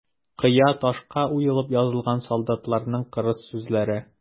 Кыя ташка уеп язылган солдатларның кырыс сүзләре.